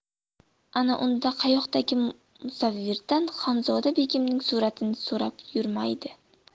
ana unda qayoqdagi musavvirdan xonzoda begimning suratini so'rab yurmaydi